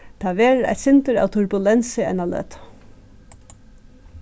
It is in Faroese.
tað verður eitt sindur av turbulensi eina løtu